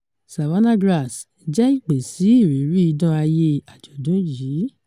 "Savannah Grass" jẹ́ ìpè sí ìrírí idán ayée àjọ̀dún yìí.